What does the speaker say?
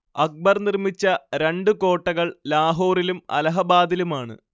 അക്ബർ നിർമിച്ച രണ്ട് കോട്ടകൾ ലാഹോറിലും അലഹബാദിലുമാണ്